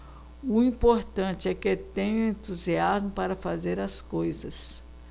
o importante é que tenho entusiasmo para fazer as coisas